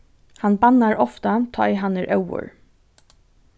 hann bannar ofta tá ið hann er óður